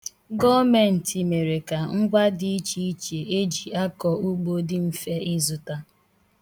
Gọọmentị mere ka ngwa dị iche iche e ji akọ ugbo dị mfe ịzụta.